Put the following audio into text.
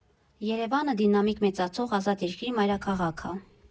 Երևանը դինամիկ մեծացող ազատ երկրի մայրաքաղաք ա։